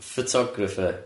Photographer.